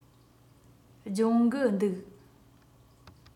སྦྱོང གི འདུག